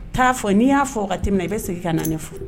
Taa a fɔ n'i y'a fɔ wagati minna i be segi kana ne fo